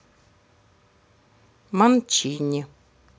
мончичи